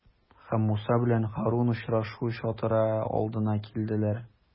Һәм Муса белән Һарун очрашу чатыры алдына килделәр.